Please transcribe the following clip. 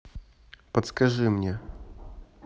подскажи мне